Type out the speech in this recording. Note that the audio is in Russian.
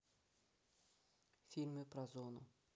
фильмы про зону